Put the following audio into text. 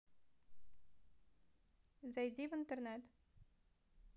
зайди в интернет